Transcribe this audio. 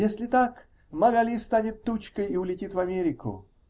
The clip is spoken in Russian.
-- Если так, Магали станет тучкой и улетит в Америку.